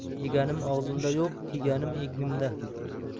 yeganim og'zimda yo'q kiyganim egnimda